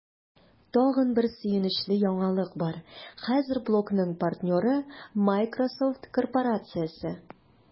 Тагын бер сөенечле яңалык бар: хәзер блогның партнеры – Miсrosoft корпорациясе!